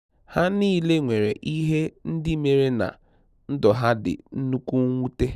Ha niile nwere ihe ndị mere na ndụ ha dị nnukwu mwute.